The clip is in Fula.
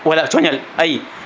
voilà cooñal ayi